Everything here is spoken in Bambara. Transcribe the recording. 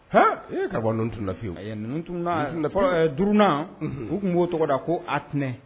Han ee karamɔgɔ ninnu tunu na fiyewu, e ninnu tunu na, duuru na u tun b'o tɔgɔda ko Atinɛ